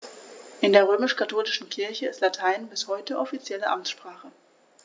In der römisch-katholischen Kirche ist Latein bis heute offizielle Amtssprache.